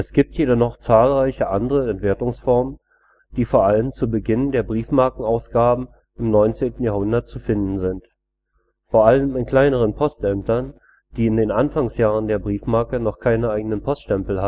gibt jedoch noch zahlreiche andere Entwertungsformen, die vor allem zu Beginn der Briefmarkenausgaben im 19. Jahrhundert zu finden sind. Vor allem in kleineren Postämtern, die in den Anfangsjahren der Briefmarke noch keine eigenen Poststempel